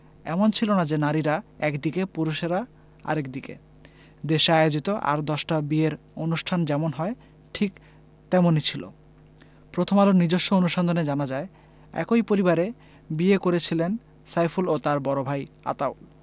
এমন ছিল না যে নারীরা একদিকে পুরুষেরা আরেক দিকে দেশে আয়োজিত আর দশটা বিয়ের অনুষ্ঠান যেমন হয় ঠিক তেমনি ছিল প্রথম আলোর নিজস্ব অনুসন্ধানে জানা যায় একই পরিবারে বিয়ে করেছিলেন সাইফুল ও তাঁর বড় ভাই আতাউল